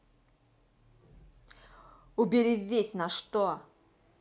убери весь на что